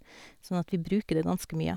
Sånn at vi bruker det ganske mye.